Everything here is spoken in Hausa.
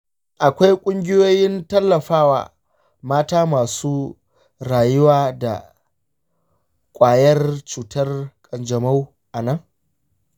shin akwai ƙungiyoyin tallafawa mata masu rayuwa da ƙwayar cutar kanjamau a nan?